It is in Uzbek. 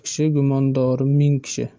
kishi gumondorim ming kishi